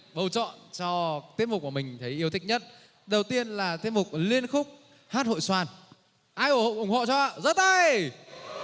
bầu chọn cho tiết mục của mình thấy yêu thích nhất đầu tiên là tiết mục liên khúc hát hội xoan ai ủng hộ cho ạ giơ tay